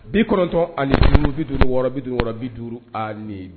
Bi kɔnɔntɔn ani minnu bi duuru wɔɔrɔ bi duuru bi duuru ani